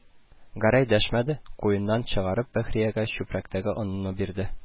Гәрәй дәшмәде, куеныннан чыгарып Бәхриягә чүпрәктәге онны бирде